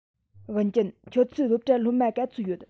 ཝུན ཅུན ཁྱོད ཚོའི སློབ གྲྭར སློབ མ ག ཚོད ཡོད